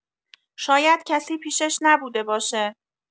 شاید کسی پیشش نبوده باشه